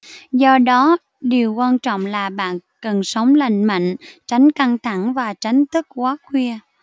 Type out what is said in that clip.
do đó điều quan trọng là bạn cần sống lành mạnh tránh căng thẳng và tránh thức quá khuya